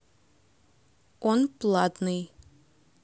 он платный